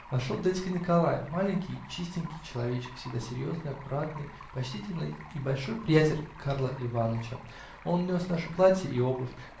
Вошел дядька Николай -- маленький, чистенький человечек, всегда серьезный, аккуратный, почтительный и большой приятель Карла Иваныча. Он нес наши платья и обувь.